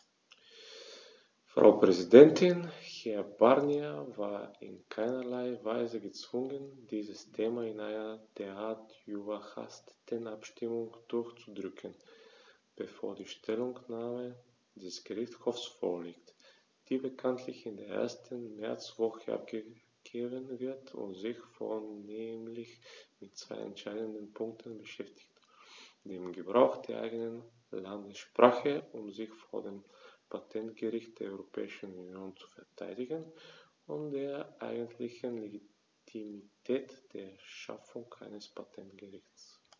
Frau Präsidentin, Herr Barnier war in keinerlei Weise gezwungen, dieses Thema in einer derart überhasteten Abstimmung durchzudrücken, bevor die Stellungnahme des Gerichtshofs vorliegt, die bekanntlich in der ersten Märzwoche abgegeben wird und sich vornehmlich mit zwei entscheidenden Punkten beschäftigt: dem Gebrauch der eigenen Landessprache, um sich vor dem Patentgericht der Europäischen Union zu verteidigen, und der eigentlichen Legitimität der Schaffung eines Patentgerichts.